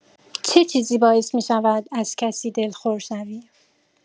چه چیزی باعث می‌شود از کسی دلخور شوی؟